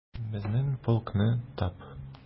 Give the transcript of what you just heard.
Безнең полкны тап...